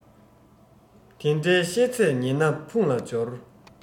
དེ འདྲའི བཤད ཚད ཉན ན ཕུང ལ སྦྱོར